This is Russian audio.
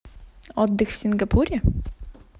отдых в сингапуре